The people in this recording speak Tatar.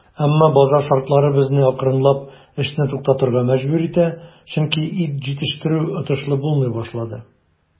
Әмма базар шартлары безне акрынлап эшне туктатырга мәҗбүр итә, чөнки ит җитештерү отышлы булмый башлады.